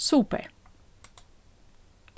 super